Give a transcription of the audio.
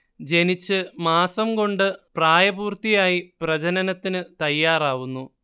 ജനിച്ച് മാസം കൊണ്ട് പ്രായപൂർത്തിയായി പ്രജനനത്തിന് തയ്യാറാവുന്നു